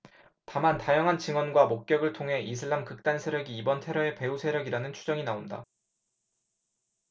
다만 다양한 증언과 목격을 통해 이슬람 극단 세력이 이번 테러의 배후세력이라는 추정이 나온다